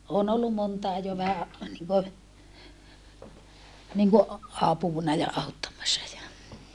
olen ollut montakin jo vähän niin kuin niin kuin apuna ja auttamassa ja